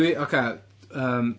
Dwi... ocê, yym...